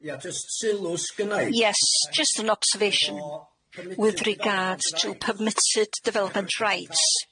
Ia jyst sylw sgynna i. yes just an observation with regards to permitted development rights